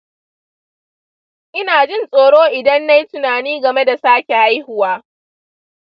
ina jin tsoro idan na yi tunani game da sake haihuwa.